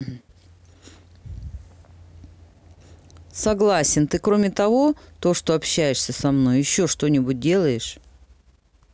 согласен ты кроме того то что общаешься со мной еще что нибудь делаешь